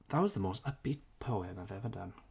That was the most upbeat poem I've ever done.